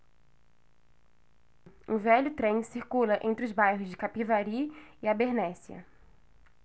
um velho trem circula entre os bairros de capivari e abernéssia